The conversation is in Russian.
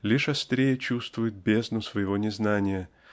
лишь острее чувствует бездну своего незнания